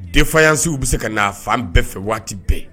Denfa ansiw bɛ se ka n'a fan bɛɛ fɛ waati bɛɛ